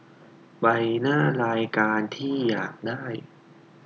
ไปหน้ารายการที่อยากได้